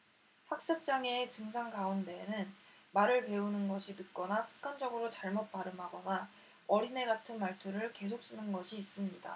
학습 장애의 증상 가운데는 말을 배우는 것이 늦거나 습관적으로 잘못 발음하거나 어린애 같은 말투를 계속 쓰는 것이 있습니다